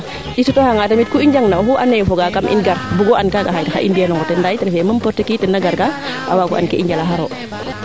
i sutooxa nga tamit kuu i njanga na oxu andaaye fogaa kam in gar bugo an kaaga xan i mbiya nongo ten ndaa yit refee n' importe qui tena garkaa a waago an kee i njala xaroo